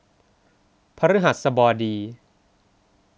พฤหัสบดี